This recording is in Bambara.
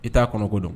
I t'a kɔnɔko dɔn